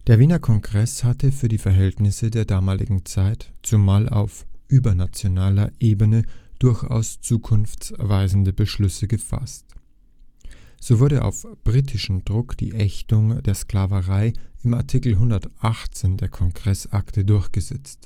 Wiener Kongress hatte für die Verhältnisse der damaligen Zeit, zumal auf übernationaler Ebene, durchaus zukunftsweisende Beschlüsse gefasst. So wurde auf britischen Druck die Ächtung der Sklaverei im Artikel 118 der Kongressakte durchgesetzt